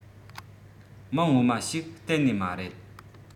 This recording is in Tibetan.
མིང ངོ མ ཞིག གཏན ནས མ རེད